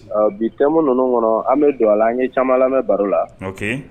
Ɔ bi thèmes ninnu kɔnɔ an bɛ don a la, an ye caaman lamɛ baro la, ok .